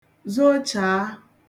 zochàà